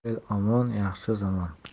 el omon yaxshi zamon